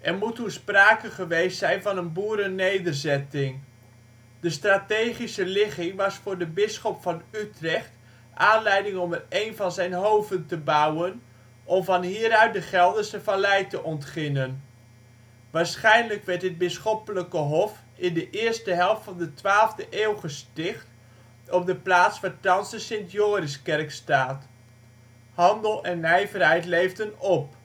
moet toen sprake geweest zijn van een boerennederzetting. De strategische ligging was voor de bisschop van Utrecht aanleiding om er één van zijn hoven te bouwen, om van hieruit de Gelderse Vallei te ontginnen. Waarschijnlijk werd dit bisschoppelijk hof in de eerste helft van de twaalfde eeuw gesticht op de plaats waar thans de Sint-Joriskerk staat. Handel en nijverheid leefden op